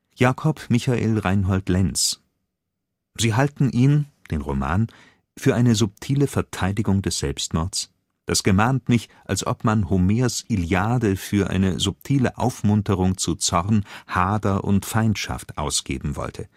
Jakob Michael Reinhold Lenz: […] Sie halten ihn [den Roman] für eine subtile Verteidigung des Selbstmords? Das gemahnt mich, als ob man Homers Iliade für eine subtile Aufmunterung zu Zorn, Hader und Feindschaft ausgeben wollte